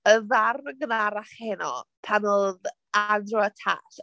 Y ddarn gynharach heno pan oedd Andrew a Tash...